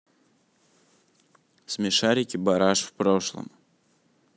смешарики бараш в прошлом